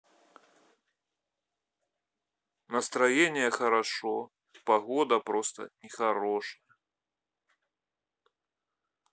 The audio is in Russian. настроение хорошо погода просто нехорошая